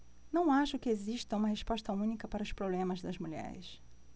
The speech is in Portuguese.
não acho que exista uma resposta única para os problemas das mulheres